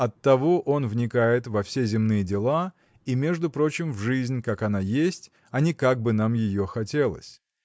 Оттого он вникает во все земные дела и между прочим в жизнь как она есть а не как бы нам ее хотелось.